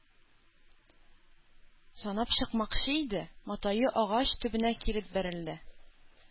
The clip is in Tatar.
Санап чыкмакчы иде, матае агач төбенә килеп бәрелде.